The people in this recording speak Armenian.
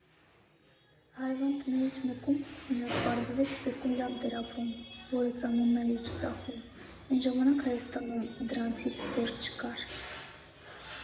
Հարևան տներից մեկում, մի օր պարզվեց, սպեկուլյանտ էր ապրում, որը ծամոններ էր ծախում՝ էն ժամանակ Հայաստանում դրանցից դեռ չկար։